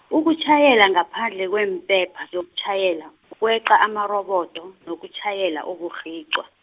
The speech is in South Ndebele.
ukutjhayela ngaphandle kweempepha zokutjhayela, ukweqa amarobodo, nokutjhayela aburhicwa.